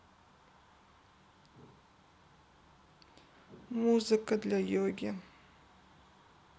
музыка для йоги